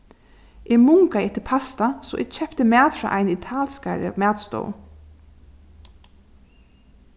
eg mungaði eftir pasta so eg keypti mat frá eini italskari matstovu